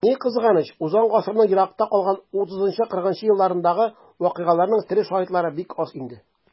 Ни кызганыч, узган гасырның еракта калган 30-40 нчы елларындагы вакыйгаларның тере шаһитлары бик аз инде.